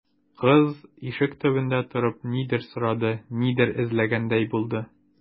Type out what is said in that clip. Кыз, ишек төбендә торып, нидер сорады, нидер эзләгәндәй булды.